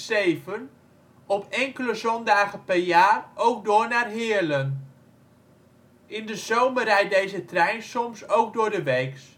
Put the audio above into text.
2004 en 2007 op enkele zondagen per jaar ook door naar Heerlen. In de zomer rijdt deze trein soms ook doordeweeks